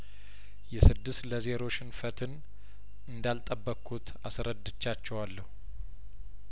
የስድስት ለዜሮ ሽንፈትን እንዳል ጠበቅኩት አስረድቻቸዋለሁ